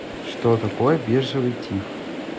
что такое биржевый тиф